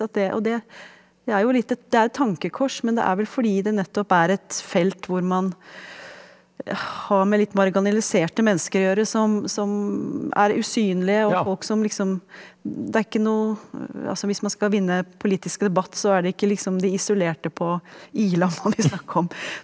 at det og det det er jo litt et det er jo et tankekors, men det er vel fordi det nettopp er et felt hvor man har med litt marginaliserte mennesker å gjøre som som er usynlige og folk som liksom det er ikke noe altså hvis man skal vinne politisk debatt så er det ikke liksom de isolerte på Ila man vil snakke om.